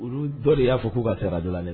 Olu dɔ de y'a fɔ k'u ka sarakaj la dɛ